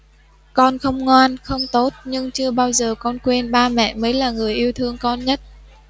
con không ngoan không tốt nhưng chưa bao giờ con quên ba mẹ mới là người yêu thương con nhất